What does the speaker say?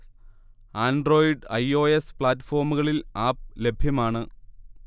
Android I. O. S. പ്ലാറ്റ്ഫോമുകളിൽ app ലഭ്യമാണ്